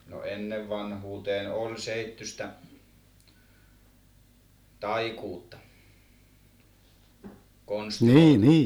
no ennen vanhuuteen oli seittyistä taikuutta konsteja